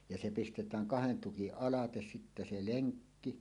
ja se pistetään kahden tukin alle sitten se lenkki